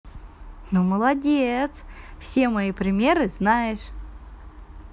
ну молодец все мои примеры знаешь